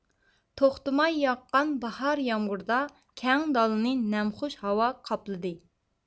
توختىماي ياغقان باھار يامغۇردا كەڭ دالىنى نەمخۇش ھاۋا قاپلىدى